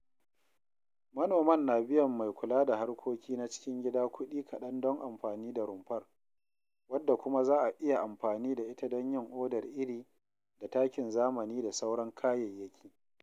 Manoman na biyan mai kula da harkoki na cikin gida kuɗi kaɗan don amfani da rumfar, wadda kuma za a iya amfani da ita don yin odar iri da takin zamani da sauran kayayyaki.